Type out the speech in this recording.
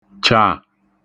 chà